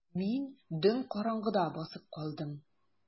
Мин дөм караңгыда басып калдым.